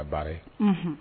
Baara ye